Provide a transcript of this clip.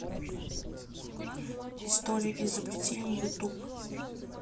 история изобретений ютуб